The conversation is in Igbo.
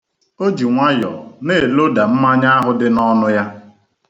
O ji nwayọ na-eloda mmanya ahụ dị n'ọnụ ya.